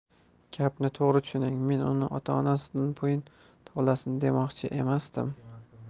gapimni to'g'ri tushuning men uni ota onasidan bo'yin tovlasin demoqchi emasman